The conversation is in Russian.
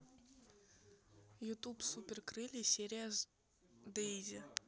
ютуб супер крылья серия с дейзи